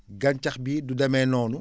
gàncax bi du demee noonu